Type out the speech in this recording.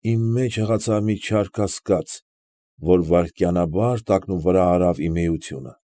Իմ մեջ հղացավ մի չար կասկած, որ վայրկենաբար տակնուվրա արավ իմ էությունը։